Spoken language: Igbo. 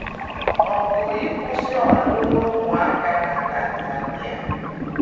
Ọgụ ịkwụsị ọlụlụ ụmụaka na Tanzania